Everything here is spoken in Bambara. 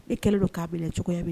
E kɛlen do k'a minɛ cogoya min